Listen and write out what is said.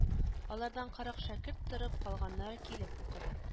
Алардан кырык шәкерт торып, калганнары килеп укыды